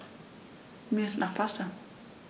Mir ist nach Pasta.